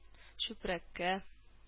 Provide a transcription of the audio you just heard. Чүпрәккә